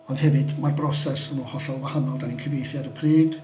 Ond hefyd ma'r broses yn hollol wahanol. Dan ni'n cyfieithu ar y pryd.